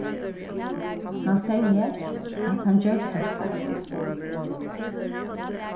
hann segði at hann gjørdi tað skeivt